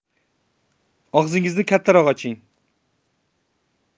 og'zingizni kattaroq oching